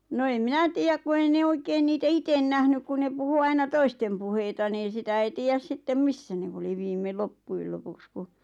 no en minä tiedä kun ei ne oikein niitä itse nähnyt kun ne puhui aina toisten puheita niin sitä ei tiedä sitten missä ne oli viime loppujen lopuksi kun